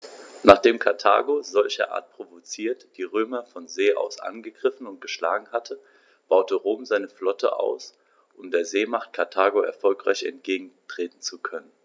Nachdem Karthago, solcherart provoziert, die Römer von See aus angegriffen und geschlagen hatte, baute Rom seine Flotte aus, um der Seemacht Karthago erfolgreich entgegentreten zu können.